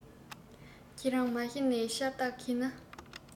ཁྱེད རང མ གཞི ནས འཆར བདག གི ནི